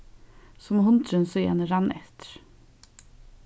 sum hundurin síðani rann eftir